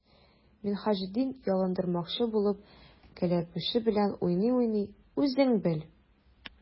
Минһаҗетдин, ялындырмакчы булып, кәләпүше белән уйный-уйный:— Үзең бел!